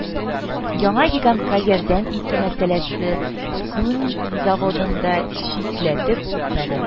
Яңа гигантка ярдәм итү мәсьәләсе күн заводын да читләтеп үтмәде